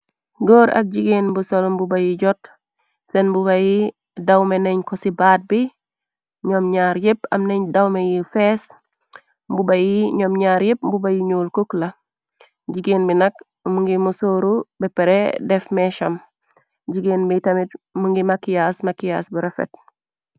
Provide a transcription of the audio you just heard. goor ak jigeen bu sol mbuba yi jot seen mbuba yi dawme nañ ko ci baat bi ñoom ñaar yépp am nañ dawme yi fees mbuba yi ñoom ñaar yépp mbuba yi ñuul kook la jigeen bi nak mu ngi mu sooru bepre def meecham jigéen bi tamit mu ngi makiyas makiyas bu refet